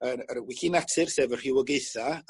yr ar y wici natur sef y rhywogaetha